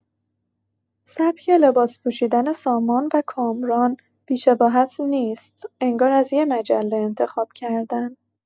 سبک لباس پوشیدن سامان و کامران بی‌شباهت نیست، انگار از یه مجله انتخاب‌کردن.